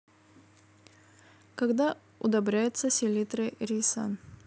когда удобряются селитры рейсан